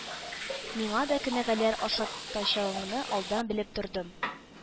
Миңа да кенәгәләр ашатачагыңны алдан белеп тордым.